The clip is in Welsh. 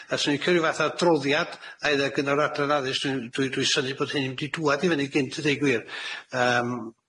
A swn i'n licio ryw fath o adroddiad either gyn yr Adran Addysg. Dwi'n dwi dwi'n synnu bod hyn 'im 'di dŵad i fyny'n gynt a deu' gwir, yym.